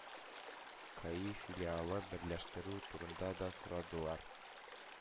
Каи филиалыберләштерү турында да сорадылар.